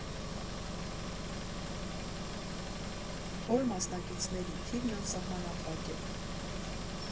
Հոլ Մասնակիցների թիվն անսահմանափակ է։